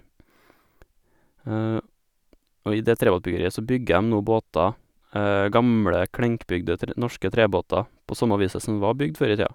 Og i det trebåtbyggeriet så bygger dem nå båter, gamle klinkbygde tre norske trebåter, på samme viset som det var bygd før i tida.